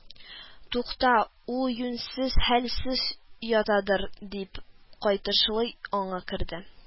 Тукта, ул юньсез хәлсез ятадыр, дип, кайтышлый аңа керде